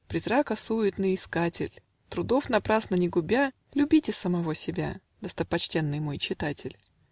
Призрака суетный искатель, Трудов напрасно не губя, Любите самого себя, Достопочтенный мой читатель!